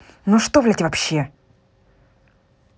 ну что блядь вообще